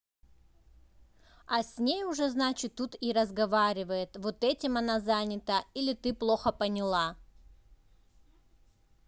а с ней уже значит тут и разговаривает вот этим она занята или ты плохо поняла